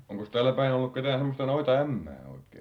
onkos täälläpäin ollut ketään semmoista noitaämmää oikein